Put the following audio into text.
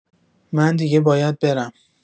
من دیگه باید برم.